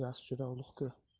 o'ljasi juda ulug' ku